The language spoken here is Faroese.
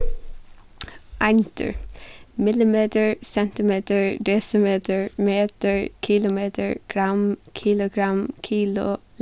eindir millimetur sentimetur desimetur metur kilometur gramm kilogramm kilo